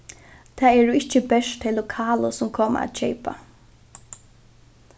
tað eru ikki bert tey lokalu sum koma at keypa